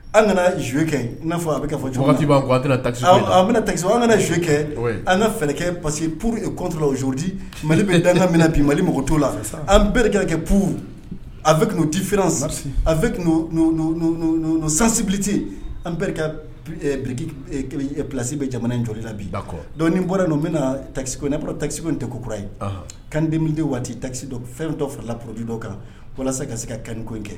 An kana jookɛ n'a fɔ a bɛ jo bɛna ta an ka soo kɛ an kakɛ pasi pure kɔntu o joodi mali bɛ dan minɛ bi mali mɔgɔ to la an bɛrike kɛ pu a tun tɛfi san a sansibiti an bereriki p pasi bɛ jamana joli la bi dɔn bɔra yen n bɛna na takisi ne tasi in tɛ kokura ye kanden tɛ waati tasi dɔ fɛntɔ farala pdi dɔ kan walasa ka se ka kan ko in kɛ